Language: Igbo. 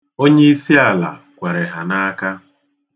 Onyeisi ala kwere ha n'aka.